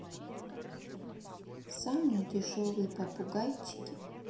самые дешевые попугайчики